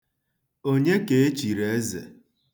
Onye ka e chiri eze?